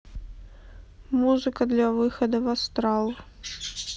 музыка для выхода в астрал